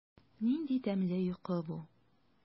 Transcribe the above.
Нинди тәмле йокы бу!